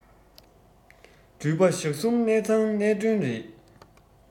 འགྲུལ པ ཞག གསུམ གནས ཚང གནས མགྲོན རེད